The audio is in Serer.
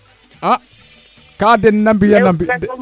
a ka den na mbiyana mbi